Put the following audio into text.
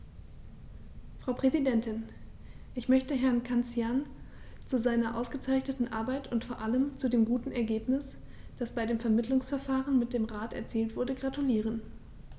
Frau Präsidentin, ich möchte Herrn Cancian zu seiner ausgezeichneten Arbeit und vor allem zu dem guten Ergebnis, das bei dem Vermittlungsverfahren mit dem Rat erzielt wurde, gratulieren.